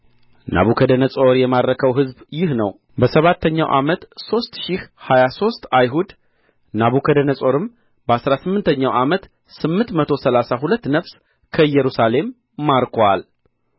ናቡከደነፆር የማረከው ሕዝብ ይህ ነው በሰባተኛው ዓመት ሦስት ሺህ ሀያ ሦስት አይሁድ ናቡከደነፆርም በአሥራ ስምንተኛው ዓመት ስምንት መቶ ሠላሳ ሁለት ነፍስ ከኢየሩሳሌም ማርኮአል